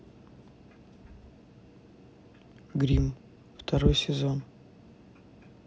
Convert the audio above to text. гримм второй сезон